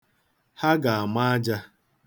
Ha ga-ama aja.